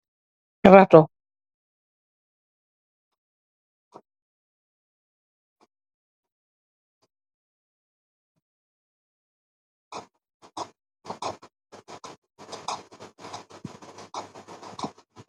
Raato